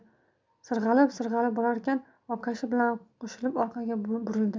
sirg'alib sirg'alib borarkan obkashi bilan qo'shilishib orqaga burildi